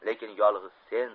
lekin yolg'iz sen